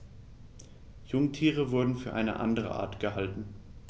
Jungtiere wurden für eine andere Art gehalten.